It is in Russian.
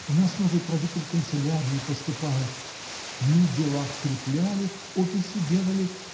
У нас новый правитель канцелярии поступает — мы дела скрепляли, описи делали.